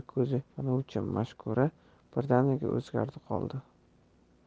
ko'zi yonuvchi mashkura birdaniga o'zgardi qoldi